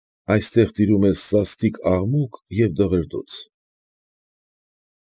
Այստեղ տիրում էր սաստիկ աղմուկ և դղրդոց։